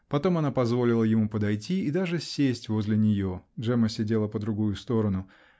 потом она позволила ему подойти и даже сесть возле нее (Джемма сидела по другую сторону)